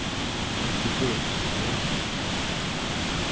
ert tú púra sikkur í tí